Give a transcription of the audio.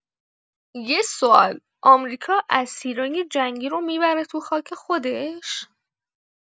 یه سوال، آمریکا اسیرای جنگی رو می‌بره تو خاک خودش؟